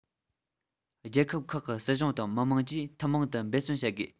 རྒྱལ ཁབ ཁག གི སྲིད གཞུང དང མི དམངས ཀྱིས ཐུན མོང དུ འབད བརྩོན བྱ དགོས